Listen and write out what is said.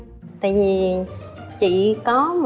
tại dì chị có một